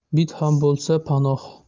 bit ham bo'lsa panoh